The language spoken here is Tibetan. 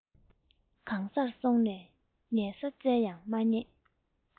གང སར སོང ནས ཉལ ས བཙལ ཡང མ རྙེད